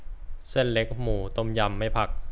เส้นเล็กหมูต้มยำไม่ผัก